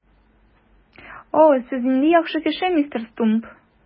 О, сез нинди яхшы кеше, мистер Стумп!